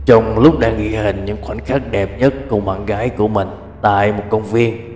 trong lúc đang ghi hình những khoảnh khắc đẹp nhất cùng bạn gái của mình tại một công viên